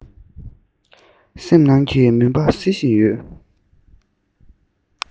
སེམས ནང གི མུན པ སེལ བཞིན ཡོད